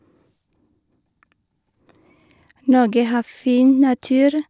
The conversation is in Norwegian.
Norge har fin natur.